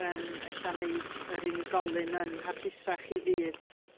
yym ella neud yr unigolyn yn hapusach 'i fyd.